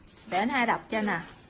để anh hai đọc cho nè